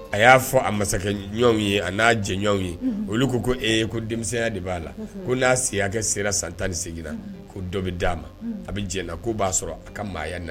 A y'a fɔ a masakɛw ye a n'a jɛɲɔgɔnw ye olu ko ko ko denmisɛnya de b'a la ko n'a siyakɛ sera san tan ni seginna ko dɔ bɛ d' aa ma a bɛ jɛnɛ ko b'a sɔrɔ a ka maaya na